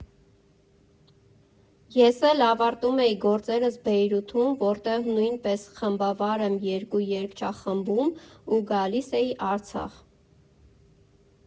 Ես էլ ավարտում էի գործերս Բեյրութում, որտեղ նույնպես խմբավար եմ երկու երգչախմբում, ու գալիս էի Արցախ։